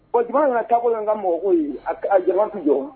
Bon jama nana taabologo ka mɔgɔw ye a jama tɛ jɔ